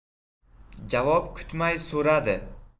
javob kutmay so'radi